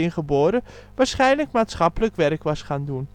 geboren, waarschijnlijk maatschappelijk werk was gaan doen